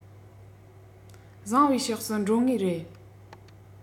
བཟང བའི ཕྱོགས སུ འགྲོ ངེས རེད